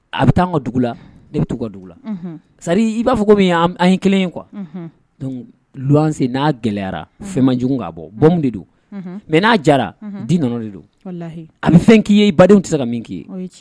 A bɛ taa anw ka dugu la ne bɛ ta'u ka dugu la, unhun, c'est à dire i b'a fɔ komi an ye kelen ye quoi unhun, donc luwanse n'a se n'a gɛlɛyara, fɛn man jugu k'a bɔ bonbe de don mais n'a diyara, unhun, di nɔɔnɔ de don, walahi, a bɛ fɛn k'i ye i badenw tɛ se ka min k'i ye, o ye tiɲ